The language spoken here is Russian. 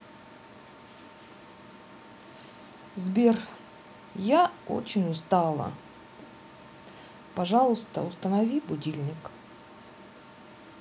сбер я очень устала пожалуйста установи будильник